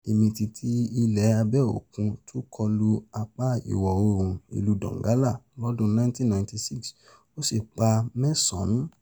Ìmìtìtì ilẹ̀ abẹ́ òkun tún kọ lu apá ìwọ̀ oòrùn ìlú Donggala lọ́dún 1996, ó sì pa mẹ́sàn-án.